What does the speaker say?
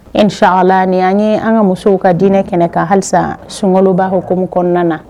E ce ala la ni an ye an ka musow ka diinɛ kɛnɛ ka halisa sunkaba h kom kɔnɔna na